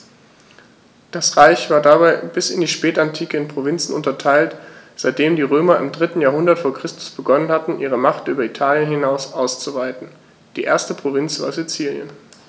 Das Reich war dabei bis in die Spätantike in Provinzen unterteilt, seitdem die Römer im 3. Jahrhundert vor Christus begonnen hatten, ihre Macht über Italien hinaus auszuweiten (die erste Provinz war Sizilien).